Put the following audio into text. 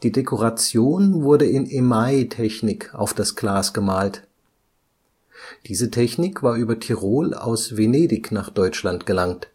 Dekoration wurde in Emaille-Technik auf das Glas gemalt. Diese Technik war über Tirol aus Venedig nach Deutschland gelangt